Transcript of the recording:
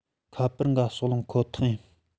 ཁ པར འགའ ཕྱོགས ལྷུང ཁོ ཐག ཡིན